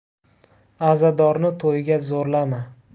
azadorni to'yga zo'rlama